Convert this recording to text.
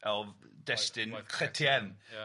o destun Crétin... Ia...